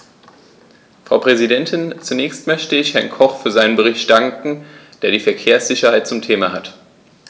Frau Präsidentin, zunächst möchte ich Herrn Koch für seinen Bericht danken, der die Verkehrssicherheit zum Thema hat.